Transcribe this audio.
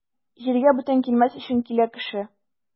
Җиргә бүтән килмәс өчен килә кеше.